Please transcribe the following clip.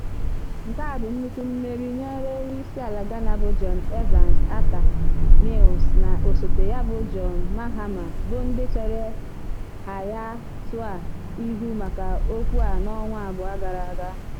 Nke a bụ nnukwu mmeri nyere onyeisiala Ghana bụ John Evans Atta Mills na osote ya bụ John Mahama bụ ndị chere Hayatou ihu maka okwu a n'ọnwa abụọ gara aga.